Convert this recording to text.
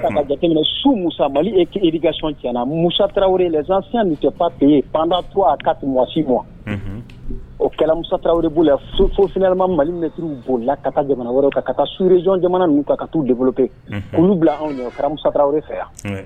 kan ofɔlɔsaan su musa mali ke tiɲɛna musa la zan cɛ pa ye pan to a kasi ma o kɛlɛsata bolo la fo fma mali mɛ bolo la ka jamana wɛrɛ kan ka suurre jamana kan ka taa u de bolo olu bila anw musararaw fɛ yan